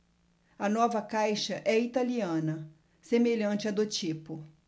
a nova caixa é italiana semelhante à do tipo